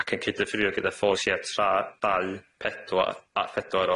ac yn cydyffurio gyda pholysïa a dau pedwar a phedwar